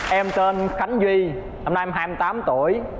em tên khánh duy năm nay em hai mươi tám tuổi